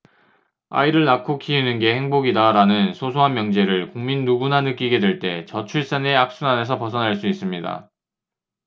아이를 낳고 키우는 게 행복이다라는 소소한 명제를 국민 누구나 느끼게 될 때 저출산의 악순환에서 벗어날 수 있습니다